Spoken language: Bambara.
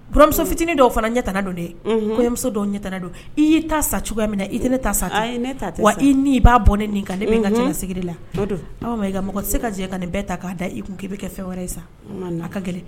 Gmuso fitinin dɔw fana ɲɛtala don dɛ komuso dɔw ɲɛ don i ye ta sa cogoya min na i ne ta sa wa i ni i b'a bɔ ne nin kan ne min ka sigi la aw i mɔgɔ se ka jɛ ka bɛɛ ta k'a da i kun k'i bɛ kɛ fɛn wɛrɛ ye sa'a ka gɛlɛn